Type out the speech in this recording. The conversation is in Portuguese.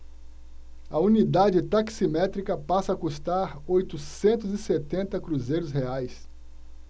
a unidade taximétrica passa a custar oitocentos e setenta cruzeiros reais